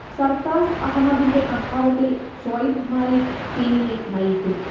സർഫ്രാസ് അഹമ്മദിന്റെ അഭാവത്തിൽ ഷൊയ്ബ് മാലിക് ടീമിനെ നയിക്കും